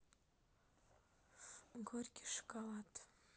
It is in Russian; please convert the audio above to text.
горький шоколад